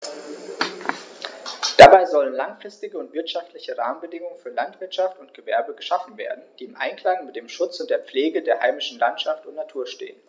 Dabei sollen langfristige und wirtschaftliche Rahmenbedingungen für Landwirtschaft und Gewerbe geschaffen werden, die im Einklang mit dem Schutz und der Pflege der heimischen Landschaft und Natur stehen.